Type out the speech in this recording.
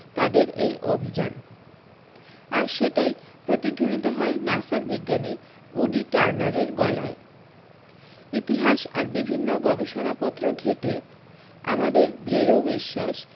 তাঁদের এই অভি্যান আর সেটাই প্রতিধ্বনিত হয় নাসার বিজ্ঞানী উডি টারনারের গলায় ইতিহাস আর বিভিন্ন গবেষণাপত্র ঘেঁটে আমাদের দৃঢ় বিশ্বাস